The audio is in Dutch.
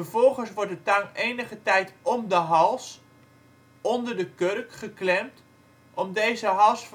wordt de tang enige tijd om de hals (onder de kurk) geklemd om deze hals